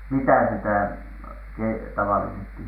mitä sitä - tavallisesti